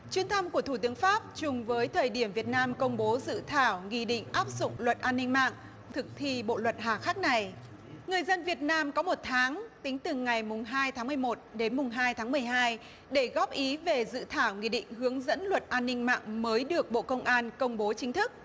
chuyến thăm của thủ tướng pháp trùng với thời điểm việt nam công bố dự thảo nghị định áp dụng luật an ninh mạng thực thi bộ luật hà khắc này người dân việt nam có một tháng tính từ ngày mùng hai tháng mười một đến mùng hai tháng mười hai để góp ý về dự thảo nghị định hướng dẫn luật an ninh mạng mới được bộ công an công bố chính thức